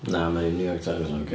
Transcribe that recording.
Na, mae'r New York Times yn oce.